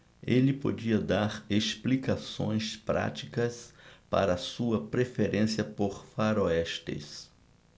ele podia dar explicações práticas para sua preferência por faroestes